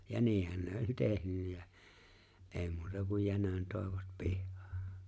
ja niinhän ne oli tehnyt ja ei muuta kuin jänön toivat pihaan